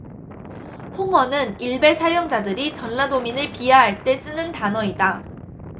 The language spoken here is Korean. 홍어는 일베 사용자들이 전라도민들을 비하할 때 쓰는 단어이다